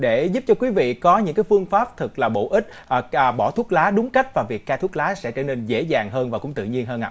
để giúp cho quý vị có những cái phương pháp thực là bổ ích ở cà bỏ thuốc lá đúng cách và việc cai thuốc lá sẽ trở nên dễ dàng hơn và cũng tự nhiên hơn ạ